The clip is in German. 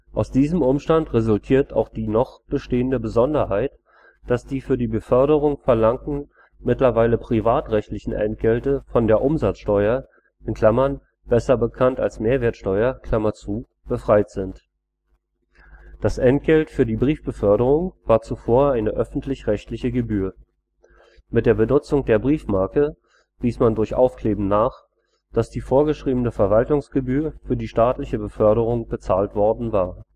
Aus diesem Umstand resultiert auch die – noch – bestehende Besonderheit, dass die für die Beförderung verlangten mittlerweile privatrechtlichen Entgelte von der Umsatzsteuer (besser bekannt als Mehrwertsteuer) befreit sind. Das Entgelt für die Briefbeförderung war zuvor eine öffentlich-rechtliche Gebühr. Mit der Benutzung der Briefmarke wies man durch Aufkleben nach, dass die vorgeschriebene Verwaltungsgebühr für die staatliche Beförderung bezahlt worden war